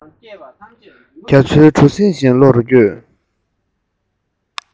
རྒྱ མཚོའི གྲུ གཟིངས བཞིན ལྷོ རུ བསྐྱོད